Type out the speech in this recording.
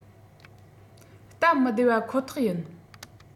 སྟབ མི བདེ བ ཁོ ཐག ཡིན